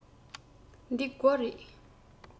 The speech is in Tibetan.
འདི སྒོ རེད